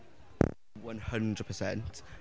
One hundred percent.